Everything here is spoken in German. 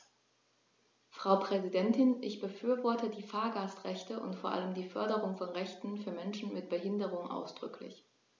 Frau Präsidentin, ich befürworte die Fahrgastrechte und vor allem die Förderung von Rechten für Menschen mit Behinderung ausdrücklich.